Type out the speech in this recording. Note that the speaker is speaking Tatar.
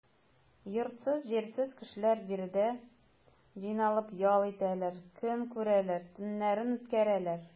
Йортсыз-җирсез кешеләр биредә җыйналып ял итәләр, көн күрәләр, төннәрен үткәрәләр.